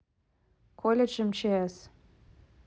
колледж мчс